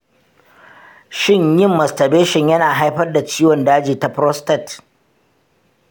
shin yin masturbation yana haifar da ciwon daji ta prostate?